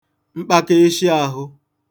mkpakịịshị āhụ̄